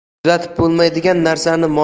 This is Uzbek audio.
tuzatib bo'lmaydigan narsani